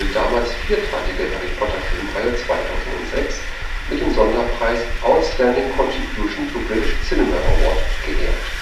damals vierteilige Harry-Potter-Filmreihe 2006 mit dem Sonderpreis Outstanding Contribution to British Cinema Award geehrt